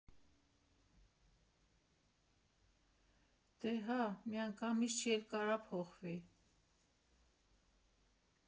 ֊ Տե հա, միանգամից չի էլ կարա փոխվի։